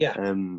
ia yym